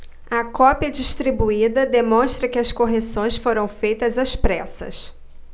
a cópia distribuída demonstra que as correções foram feitas às pressas